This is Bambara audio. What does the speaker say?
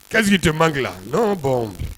Kasisigi tɛ man dilan nɔn bɔn